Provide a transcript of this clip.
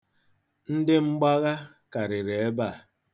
Ndị mgbagha karịrị ebe a.